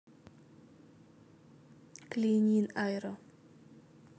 кленин айро